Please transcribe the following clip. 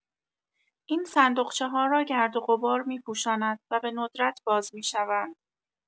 این صندوقچه‌ها را گردوغبار می‌پوشاند و به‌ندرت باز می‌شوند.